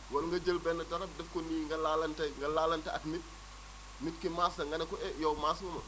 wala nga jël benn darab def ko nii nga laalanteeg nga laalante ak nit nit ki maas la nga ne ko ée yow maas nga ma